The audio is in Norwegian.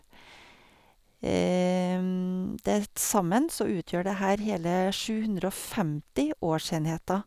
Det t sammen så utgjør det her hele sju hundre og femti årsenheter.